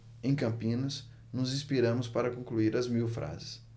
em campinas nos inspiramos para concluir as mil frases